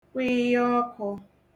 kwịịya ọkụ̄